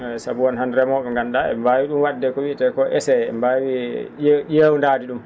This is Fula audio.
eeyi sabu won hannde reemo?e ?e nganndu?aa e?e mbaawi ?um wa?de ko wiyetee ko essaye mbaawi ?ew ?eewndade ?um